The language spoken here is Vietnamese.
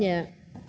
dạ